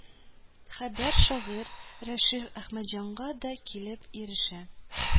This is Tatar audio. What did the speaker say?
Хәбәр шагыйрь рәшит әхмәтҗанга да килеп ирешә